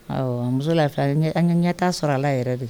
Muso lafi fɛ an ka ɲɛ t'a sɔrɔ a la yɛrɛ de